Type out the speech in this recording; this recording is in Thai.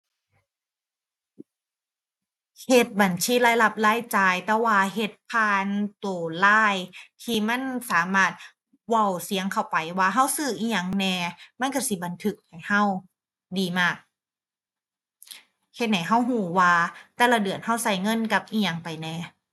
เฮ็ดบัญชีรายรับรายจ่ายแต่ว่าเฮ็ดผ่านตัว LINE ที่มันสามารถเว้าเสียงเข้าไปว่าตัวซื้ออิหยังแหน่ มันตัวสิบันทึกให้ตัว ดีมาก เฮ็ดให้ตัวตัวว่าแต่ละเดือนตัวตัวเงินกับอิหยังไปแหน่